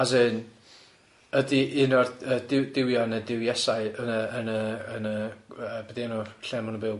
As in ydy un o'r yy du- duwion neu duwiesau yn y yn y yn y yy be di enw lle ma' nw'n byw?